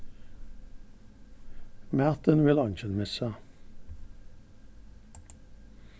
matin vil eingin missa